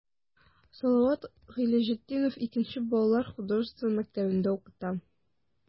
Салават Гыйләҗетдинов 2 нче балалар художество мәктәбендә укыта.